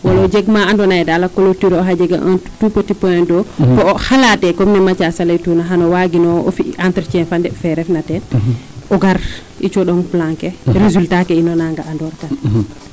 Wala o jeg maa andoona yee daal a cloture axa jega un tout petit point d' eau bo o xalaate comme ne Mathiase a laytuuna xan o waagin o fi' entretien fa ndeɓ fe refna teen o gar o cooɗong plan ke résultat ke ino naa nga'andoorkan.